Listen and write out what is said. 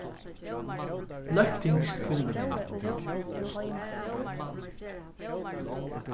løgtingskvinna